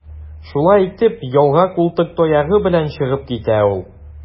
Шулай итеп, ялга култык таягы белән чыгып китә ул.